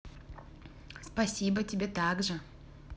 спасибо тебе также